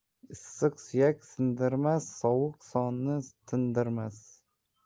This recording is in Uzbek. issiq suyak sindirmas sovuq jonni tindirmas